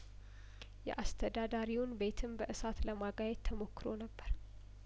የአስተዳዳሪውን ቤትም በእሳት ለማጋየት ተሞክሮ ነበር